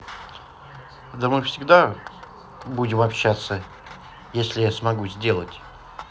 да мы почти всегда будем общаться если я смогу делать